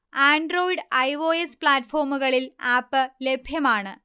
Android I. O. S. പ്ലാറ്റ്ഫോമുകളിൽ app ലഭ്യമാണ്